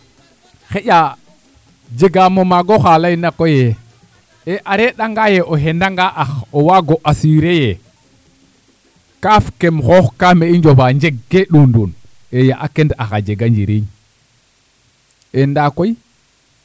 xaƴa jegaam o maag oxa layna koy ee a reɗ'anga yee o xendanga ax o waago assurer yee kaaf keem xoox kaa mee i njofaa jegkee ɗuunduund e yaag a kend ax a jega njiriñ e ndaa koy